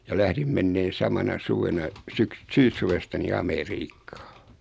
ja lähdin menemään samana suvena - syyssuvesta niin Amerikkaan